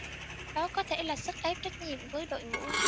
đó có thể là sức ép trách nhiệm với đội ngũ